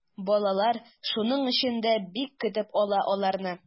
Балалар шуның өчен дә бик көтеп ала аларны.